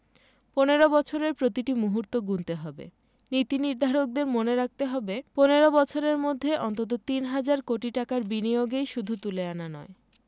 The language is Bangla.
১৫ বছরের প্রতিটি মুহূর্ত গুনতে হবে নীতিনির্ধারকদের মনে রাখতে হবে ১৫ বছরের মধ্যে অন্তত তিন হাজার কোটি টাকার বিনিয়োগই শুধু তুলে আনা নয়